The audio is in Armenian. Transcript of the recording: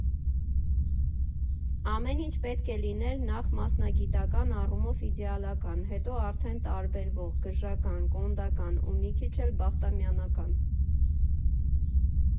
Ամեն ինչ պետք է լիներ նախ մասնագիտական առումով իդեալական, հետո արդեն տարբերվող, գժական, կոնդական ու մի քիչ էլ բախտամյանական։